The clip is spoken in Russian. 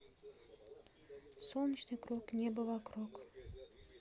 солнечный круг небо вокруг